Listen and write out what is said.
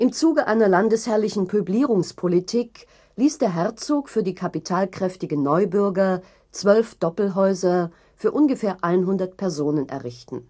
Zuge einer landesherrlichen „ Peuplierungspolitik “ließ der Herzog für die kapitalkräftigen Neubürger zwölf Doppelhäuser für ungefähr 100 Personen errichten